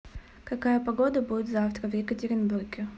какая погода будет завтра в екатеринбурге